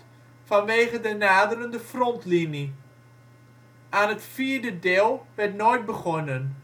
vanwege de naderende frontlinie. Aan het vierde deel werd nooit begonnen